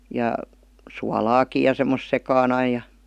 ja suolaakin ja semmoista sekaan aina ja